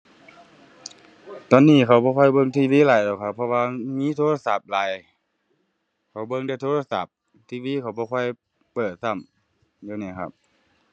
ตอนนี้เขาบ่ค่อยเบิ่ง TV หลายดอกครับ เพราะว่ามันมีโทรศัพท์หลาย เขาเบิ่งแต่โทรศัพท์ TV เขาบ่ค่อยเปิดซ้ำ เดี๋ยวนี้ครับ